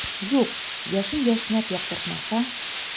Юк, яшен яшьнәп яктыртмаса.